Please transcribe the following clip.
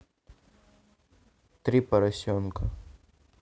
три поросенка